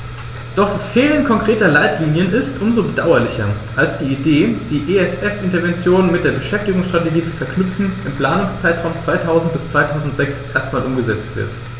Doch das Fehlen konkreter Leitlinien ist um so bedauerlicher, als die Idee, die ESF-Interventionen mit der Beschäftigungsstrategie zu verknüpfen, im Planungszeitraum 2000-2006 erstmals umgesetzt wird.